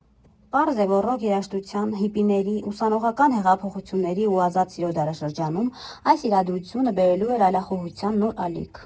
Պարզ է, որ ռոք երաժշտության, հիպիների, ուսանողական հեղափոխությունների ու ազատ սիրո դարաշրջանում, այս իրադրությունը բերելու էր այլախոհության նոր ալիք։